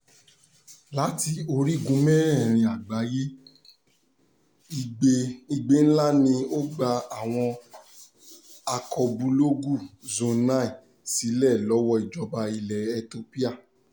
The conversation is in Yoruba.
Láti orígun mẹ́rẹ̀ẹ̀rin àgbáyé, igbe ńlá ni ó gba àwọn akọbúlọ́ọ̀gù Zone9 sílẹ̀ lọ́wọ́ ìjọba ilẹ̀ Ethiopia.